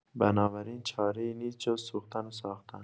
بنابراین چاره‌ای نیست جز سوختن و ساختن.